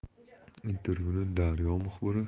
intervyuni daryo muxbiri